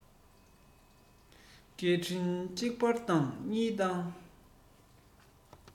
སྐད འཕྲིན གཅིག བཏང གཉིས བཏང